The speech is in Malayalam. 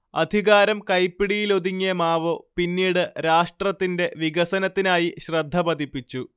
അധികാരം കൈപ്പിടിയിലൊതുങ്ങിയ മാവോ പിന്നീട് രാഷ്ട്രത്തിന്റെ വികസനത്തിനായി ശ്രദ്ധ പതിപ്പിച്ചു